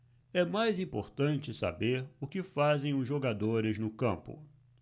é mais importante saber o que fazem os jogadores no campo